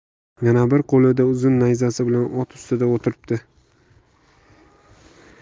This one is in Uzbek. yana biri qo'lida uzun nayzasi bilan ot ustida o'tiribdi